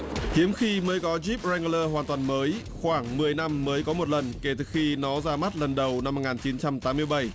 hiếm khi mới có díp goăng lơ hoàn toàn mới khoảng mười năm mới có một lần kể từ khi nó ra mắt lần đầu năm một ngàn chín trăm tám mươi bảy